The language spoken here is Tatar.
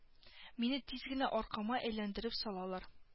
Мине тиз генә аркама әйләндереп салалар